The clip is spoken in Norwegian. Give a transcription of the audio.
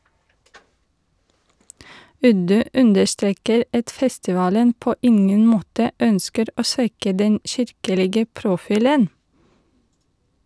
Uddu understreker at festivalen på ingen måte ønsker å svekke den kirkelige profilen.